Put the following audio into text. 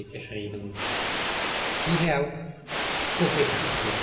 geschrieben. Siehe auch: Chuchichäschtli